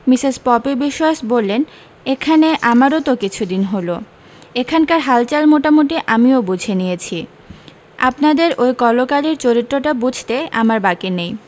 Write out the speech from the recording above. Mrs Popy Biswas বললেন এখানে আমারও তো কিছুদিন হলো এখানকার হালচাল মোটামুটি আমিও বুঝে নিয়েছি আপনাদের ওই কলকালির চরিত্রটা বুঝতে আমার বাকী নেই